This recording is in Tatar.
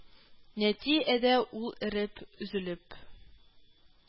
Нәти әдә ул эреп, өзелеп